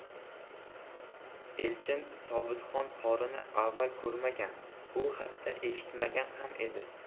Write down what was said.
elchin sobitxon qorini avval ko'rmagan u haqda eshitmagan ham edi